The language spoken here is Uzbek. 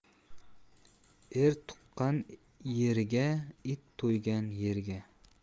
er tuqqan yeriga it to'ygan yeriga